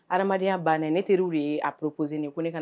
Adamadenyaya bannen ne terirw de ye a purpse nin ko ne ka na